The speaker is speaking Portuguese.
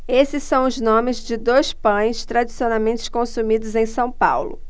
esses são os nomes de dois pães tradicionalmente consumidos em são paulo